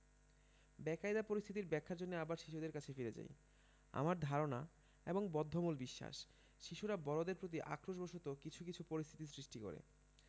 বেকায়দা পরিস্থিতির ব্যাখ্যার জন্যে আবার শিশুদের কাছে ফিরে যাই আমার ধারণা এবং বদ্ধমূল বিশ্বাস শিশুরা বড়দের প্রতি আক্রোশ বসত কিছু কিছু পরিস্থিতির সৃষ্টি করে